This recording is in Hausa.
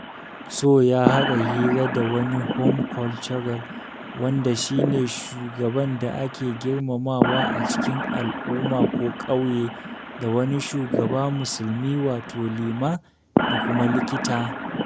Sow ya haɗa hira da wani “homme culturel,” wanda shi ne shugaban da ake girmamawa a cikin al’umma ko ƙauye, da wani shugaba Musulmi (liman) da kuma likita.